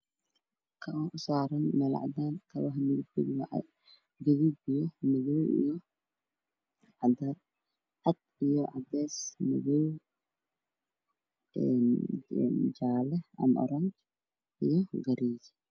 Meeshaan waxaa saaran kabo oo sadex kabad ah midabkoodi yahay madow jaalo